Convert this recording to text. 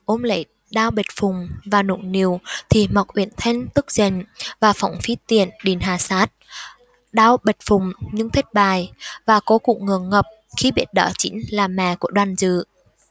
ôm lấy đao bạch phụng và nũng nịu thì mộc uyển thanh tức giận và phóng phi tiễn định hạ sát đao bạch phụng nhưng thất bại và cô cũng ngượng ngập khi biết đó chính là mẹ của đoàn dự